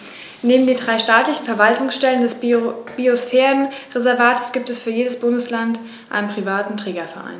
Neben den drei staatlichen Verwaltungsstellen des Biosphärenreservates gibt es für jedes Bundesland einen privaten Trägerverein.